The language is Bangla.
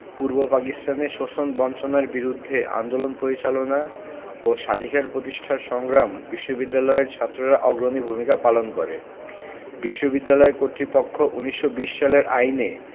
পূর্ব পাকিস্তানে শোষণ বঞ্চনার বিরুদ্ধে আন্দোলন পরিচালনা ও স্বাধিকার প্রতিষ্ঠার সংগ্রামে বিশ্ববিদ্যালয়ের ছাত্ররা অগ্রণী ভূমিকা পালন করে বিশ্ববিদ্যালয় কর্তৃপক্ষ ১৯২০ সালের আইনে